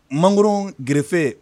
Mangourun gefe